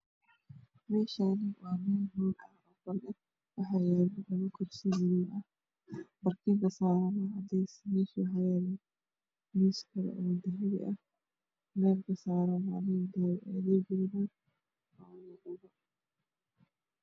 Meeshani waa meel banan ah waxaa yaalo labao kurisi ah waa cadaan